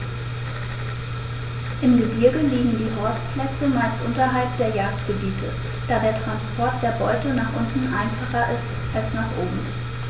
Im Gebirge liegen die Horstplätze meist unterhalb der Jagdgebiete, da der Transport der Beute nach unten einfacher ist als nach oben.